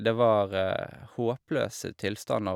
Det var håpløse tilstander.